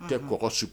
Tɛɔgɔ su